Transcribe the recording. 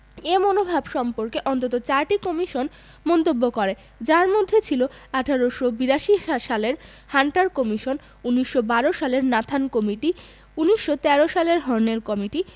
এ মনোভাব সম্পর্কে অন্তত চারটি কমিশন মন্তব্য করে যার মধ্যে ছিল ১৮৮২ সালের হান্টার কমিশন ১৯১২ সালের নাথান কমিটি ১৯১৩ সালের হর্নেল কমিটি